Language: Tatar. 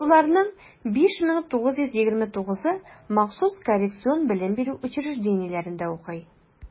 Шуларның 5929-ы махсус коррекцион белем бирү учреждениеләрендә укый.